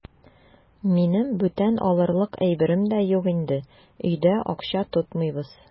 Минем бүтән алырлык әйберем дә юк инде, өйдә акча тотмыйбыз.